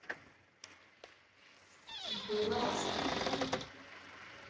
было воспитанно